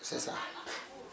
c' est ça